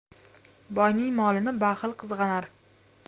boyning molini baxil qizg'anar